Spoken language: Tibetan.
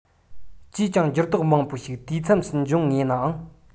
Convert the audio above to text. ཅིས ཀྱང འགྱུར ལྡོག མང པོ ཞིག དུས མཚམས སུ འབྱུང ངེས ནའང